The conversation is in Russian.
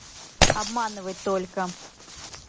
обманывать только